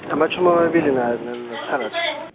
namatjhumi mabili na- na- nasithandathu.